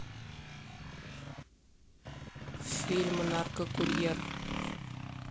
фильм наркокурьер